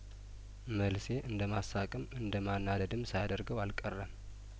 መልሴ እንደማሳቅም እንደማናደድም ሳያደርገው አልቀረም